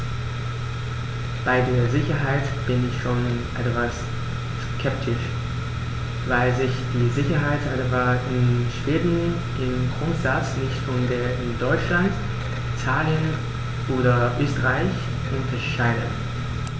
Bei der Sicherheit bin ich schon etwas skeptisch, weil sich die Sicherheit etwa in Schweden im Grundsatz nicht von der in Deutschland, Italien oder Österreich unterscheidet.